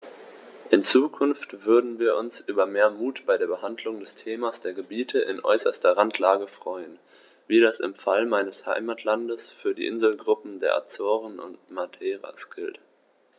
In Zukunft würden wir uns über mehr Mut bei der Behandlung des Themas der Gebiete in äußerster Randlage freuen, wie das im Fall meines Heimatlandes für die Inselgruppen der Azoren und Madeiras gilt.